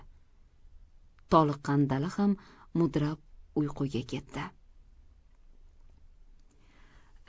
toliqqan dala ham mudrab uyquga ketdi